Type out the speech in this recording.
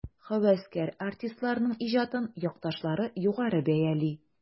Һәвәскәр артистларның иҗатын якташлары югары бәяли.